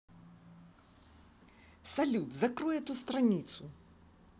салют закрой эту страницу